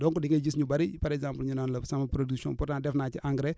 donc di nga gis ñu bëri par exemple ñu naan la sama production pourtant def naa ci engrais